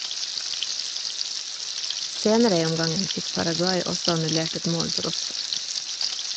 Senere i omgangen fikk Paraguay også annullert et mål for offside.